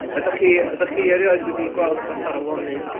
Ydach chi ydach chi erioed wedi gweld rwbath ar y lonydd?